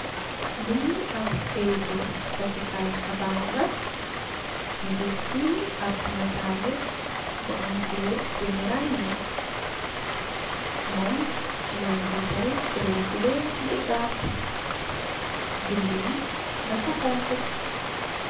Li ap keyutuh tassu kai xibarr giss ti netaleh goor bunj ranj nyeh mum moi njettel korreh bileh di gap binduh yidafa xong khuh